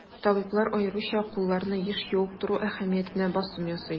Табиблар аеруча кулларны еш юып тору әһәмиятенә басым ясый.